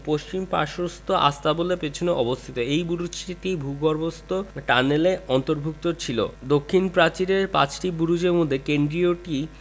পশ্চিম পার্শ্বস্থ আস্তাবলের পেছনে অবস্থিত এই বুরুজটিতে একটি ভূগর্ভস্থ টানেল অন্তর্ভুক্ত ছিল দক্ষিণ প্রাচীরের পাঁচটি বুরুজের মধ্যে কেন্দ্রীয়টি